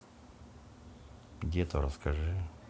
где то расскажи